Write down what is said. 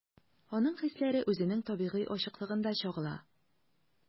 Аның хисләре үзенең табигый ачыклыгында чагыла.